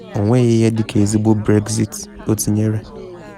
Ọ nweghị ihe dị ka ezigbo Brexit,’ o tinyere.